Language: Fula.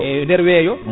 e nder weeyo